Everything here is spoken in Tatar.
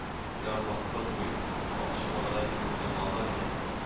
Яратмаслык та түгел, тал чыбыгыдай сыгылмалы